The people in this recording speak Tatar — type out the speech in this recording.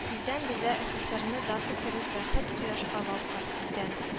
Тиздән бездә дә эСэСэСэР даты кебек бәхет кояшы балкыр, тиздән